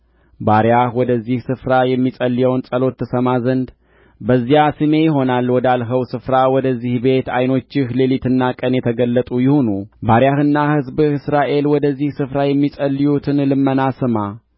ባሪያህ ወደዚህ ስፍራ የሚጸልየውን ጸሎት ትሰማ ዘንድ በዚያ ስሜ ይሆናል ወዳልኸው ስፍራ ወደዚህ ቤት ዓይኖችህ ሌሊትና ቀን የተገለጡ ይሁኑ ባሪያህና ሕዝብህ እስራኤል ወደዚህ ስፍራ የሚጸልዩትን ልመና ስማ